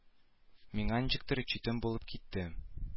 Миңа ничектер читен булып китте